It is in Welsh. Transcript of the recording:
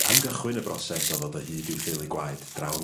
...am gychwyn y broses o ddod o hyd iw theulu gwaed draw yn...